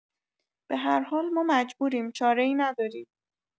به هر حال ما مجبوریم چاره‌ای نداریم.